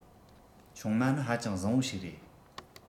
ཆུང མ ནི ཧ ཅང བཟང བོ ཞིག རེད